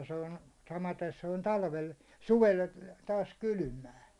ja se on samaten se on - suvella taas kylmää